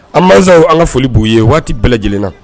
An ma an ka foli b'u ye waati bɛɛ lajɛlenna